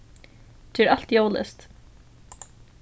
ger alt ljóðleyst